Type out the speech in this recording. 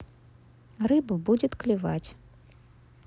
рыба будет клевать